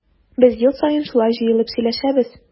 Без ел саен шулай җыелып сөйләшәбез.